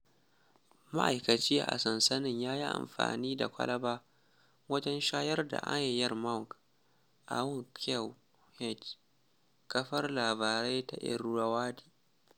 Ma'aikaci a sansanin ya yi amafni da kwalaba wajen shayar da Ayeyar Maung. /Aung Kyaw Htet/ Kafar labarai ta Irrawaddy